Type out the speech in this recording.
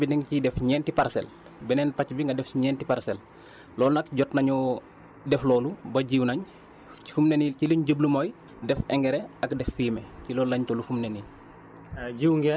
benn pàcc bi da nga ciy def ñeenti parcelles beneen pàcc bi nga def ci ñeenti parcelles loolu nag jot nañoo def loolu ba jiw nañ ci fu mu ne nii ci liñ jublu mooy def engrais ak def fumier ci loolu lañ toll fi mu ne nii